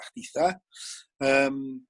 a chditha yym